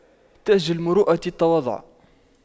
تاج المروءة التواضع